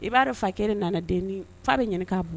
I b'a dɔn fakɛ nana den fa bɛ ɲininka' bɔ